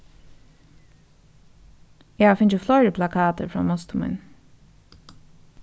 eg havi fingið fleiri plakatir frá mostir míni